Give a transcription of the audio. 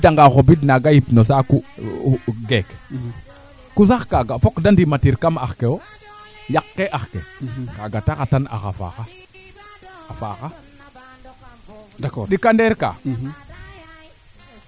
o Njola jiku kee ñaaw yaam Nabi mosaano leyo tewo xemi je me rappele Anabi Dior a leyne tewoxe doole feewo e kaa wañu a paax e ndaa naangi baxala a ñaaw e o njaxa